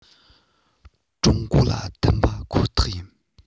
ཀྲུང གོ ལ འཐམས པ ཁོ ཐག ཡིན